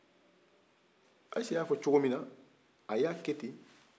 ayisa y'a fɔ togo min na a y'a kɛ ten